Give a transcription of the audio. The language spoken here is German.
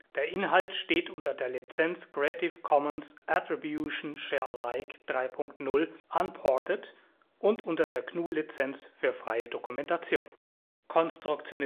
Der Inhalt steht unter der Lizenz Creative Commons Attribution Share Alike 3 Punkt 0 Unported und unter der GNU Lizenz für freie Dokumentation. Der